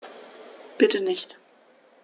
Bitte nicht.